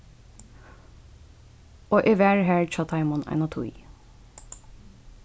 og eg var har hjá teimum eina tíð